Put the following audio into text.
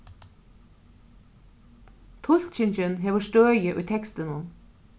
tulkingin hevur støði í tekstinum